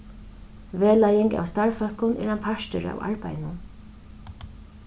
vegleiðing av starvsfólkum er ein partur av arbeiðinum